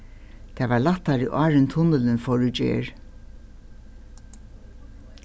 tað var lættari áðrenn tunnilin fór í gerð